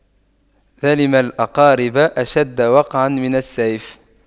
ظلم الأقارب أشد وقعا من السيف